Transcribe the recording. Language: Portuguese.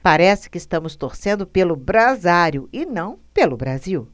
parece que estamos torcendo pelo brasário e não pelo brasil